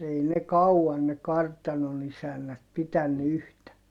ei ne kauan ne kartanon isännät pitänyt yhtä